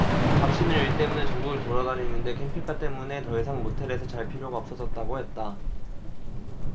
박씨는 일 때문에 전국을 돌아다니는데 캠핑카 때문에 더 이상 모텔에서 잘 필요가 없어졌다고 했다